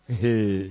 Ehee